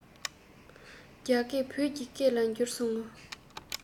རྒྱ སྐད བོད ཀྱི སྐད ལ འགྱུར སོང ངོ